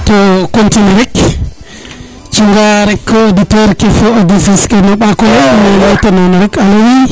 i mbato continuer rek cunga rek auditeur ke fo auditrice ke o ɓako le ne layta numa rek alo